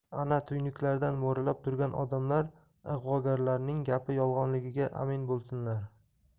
ana tuynuklardan mo'ralab turgan odamlar ig'vogarlarning gapi yolg'onligiga amin bo'lsinlar